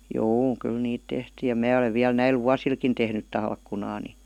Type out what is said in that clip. juu kyllä niitä tehtiin ja minä olen vielä näillä vuosillakin tehnyt talkkunaa niin